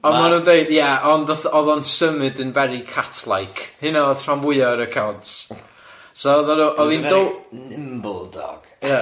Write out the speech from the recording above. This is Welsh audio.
Ond maen nhw'n deud ie, ond oedd o'n symud yn very cat-like, hynna oedd rhan fwya o'r accounts so oedden nhw oedd hi'n dow- He was a very nimble dog.